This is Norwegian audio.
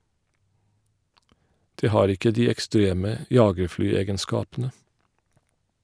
Det har ikke de ekstreme jagerflyegenskapene.